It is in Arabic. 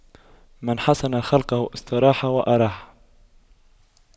من حسن خُلُقُه استراح وأراح